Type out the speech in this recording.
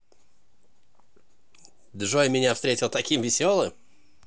джой меня встретил таким веселым